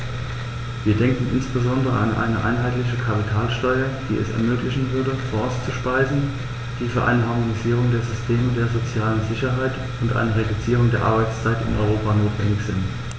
Wir denken insbesondere an eine einheitliche Kapitalsteuer, die es ermöglichen würde, Fonds zu speisen, die für eine Harmonisierung der Systeme der sozialen Sicherheit und eine Reduzierung der Arbeitszeit in Europa notwendig sind.